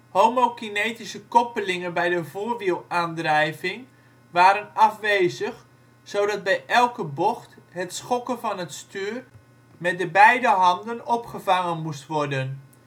Homokinetische koppelingen bij de voorwielaandrijving waren afwezig, zodat bij elke bocht het schokken van het stuur met de beide handen opgevangen moest worden